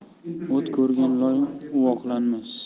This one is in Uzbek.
o't ko'rgan loy uvoqlanmas